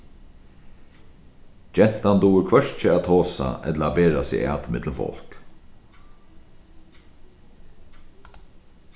gentan dugir hvørki at tosa ella at bera seg at ímillum fólk